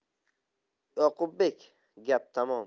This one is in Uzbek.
yoqubbek gap tamom